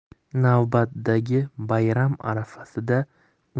navbatdagi bayram arafasida